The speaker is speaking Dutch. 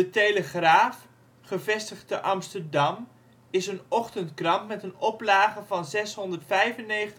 Telegraaf, gevestigd te Amsterdam, is een ochtendkrant met een oplage van 695 635